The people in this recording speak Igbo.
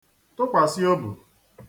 tụkwàsị obù